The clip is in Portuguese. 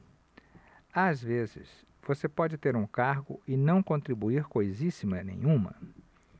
às vezes você pode ter um cargo e não contribuir coisíssima nenhuma